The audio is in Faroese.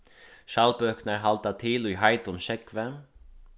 skjaldbøkurnar halda til í heitum sjógvi